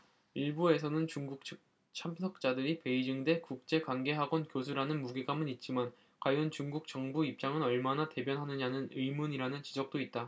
일부에서는 중국 측 참석자들이 베이징대 국제관계학원 교수라는 무게감은 있지만 과연 중국 정부 입장을 얼마나 대변하느냐는 의문이라는 지적도 있다